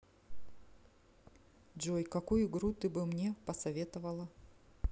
джой какую игру ты бы мне посоветовала